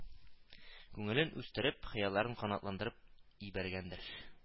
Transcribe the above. Күңелен үстереп, хыялларын канатландырып ибәргәндер